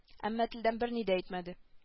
Әмма телдән берни дә әйтмәде